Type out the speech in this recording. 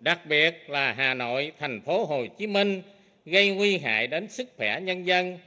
đặc biệt là hà nội thành phố hồ chí minh gây nguy hại đến sức khỏe nhân dân